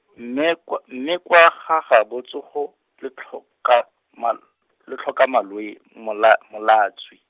mme kw-, mme kwa ga gaabo tsogo, le tlhoka, ma- , le tlhoka malwe-, mola molatswi.